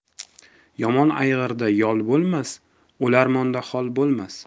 yomon ayg'irda yol bo'lmas o'larmonda hoi bo'lmas